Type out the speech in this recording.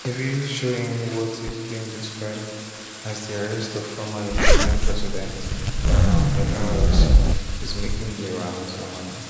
A video showing what is being described as the arrest of former Egyptian president Mohamed Morsi is making the rounds online.